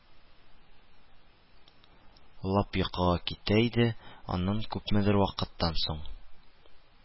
Лап йокыга китә иде, аннан күпмедер вакыттан соң